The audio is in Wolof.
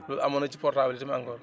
loolu amoon na ci portable yi tam encore